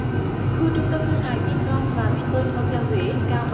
khu trung tâm thương mại vin com và vin pơn hô theo huế cao